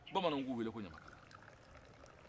bamananw k'u wele ko ɲamakala